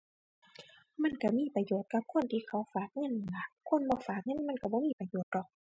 มันก็มีประโยชน์กับคนที่เขาฝากเงินนั่นล่ะ คนบ่ฝากเงินมันก็บ่มีประโยชน์ดอก